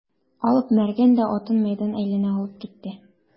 Алып Мәргән дә атын мәйдан әйләнә алып китте.